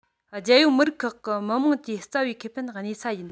རྒྱལ ཡོངས མི རིགས ཁག གི མི དམངས ཀྱི རྩ བའི ཁེ ཕན གནས ས ཡིན